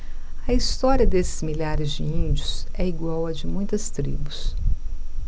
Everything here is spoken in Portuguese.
a história desses milhares de índios é igual à de muitas tribos